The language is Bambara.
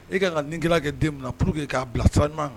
E ka kan ka ni gɛlɛya kɛ den min na pour que k'a bila sira ɲuman kan